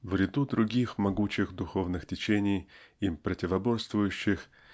в ряду других могучих духовных течений им противоборствующих